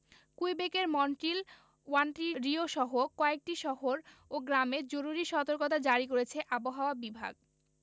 কুইবেকের মন্ট্রিল ওন্টারিওসহ কয়েকটি শহর ও গ্রামে জরুরি সতর্কতা জারি করেছে আবহাওয়া বিভাগ